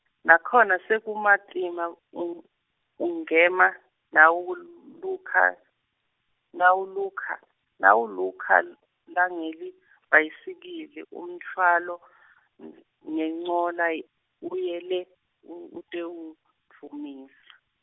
nakhona sekumatima ung- ungema nawul- -lukha, nawulukha nawulukha l-, ngelelibhayisikili- utfwale , ng- ngencola uye le u- ute vudvumisa-.